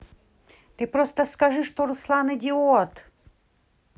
ты просто скажи что руслан идиот